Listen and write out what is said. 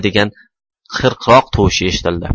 degan xirqiroq tovushi eshitildi